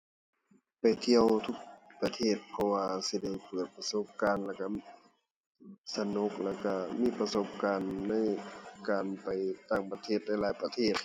ไปเที่ยวทุกประเทศ เพราะว่าสิได้เปิดประสบการณ์ แล้วก็สนุก แล้วก็มีประสบการณ์ในการไปต่างประเทศหลายหลายประเทศ